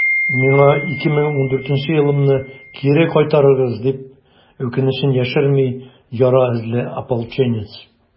«миңа 2014 елымны кире кайтарыгыз!» - дип, үкенечен яшерми яра эзле ополченец.